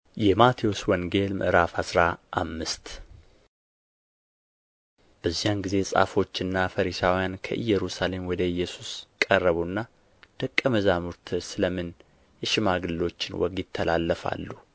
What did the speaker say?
﻿የማቴዎስ ወንጌል ምዕራፍ አስራ አምስት በዚያን ጊዜ ጻፎችና ፈሪሳውያን ከኢየሩሳሌም ወደ ኢየሱስ ቀረቡና ደቀ መዛሙርትህ ስለ ምን የሽማግሎችን ወግ ይተላለፋሉ